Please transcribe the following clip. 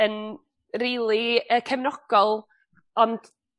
yn rili yy cefnogol ont